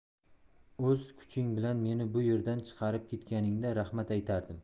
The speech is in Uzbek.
o'z kuching bilan meni bu yerdan chiqarib ketganingda rahmat aytardim